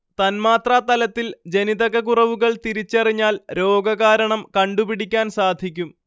തന്മാത്രാതലത്തിൽ ജനിതക കുറവുകൾ തിരിച്ചറിഞ്ഞാൽ രോഗകാരണം കണ്ടുപിടിക്കാൻ സാധിക്കും